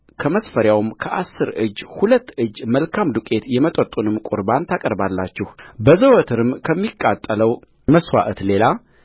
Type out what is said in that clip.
ከመስፈሪያው ከአሥር እጅ ሁለት እጅ መልካም ዱቄት የመጠጡንም ቍርባን ታቀርባላችሁበዘወትር ከሚቃጠለው መሥዋዕት ሌላ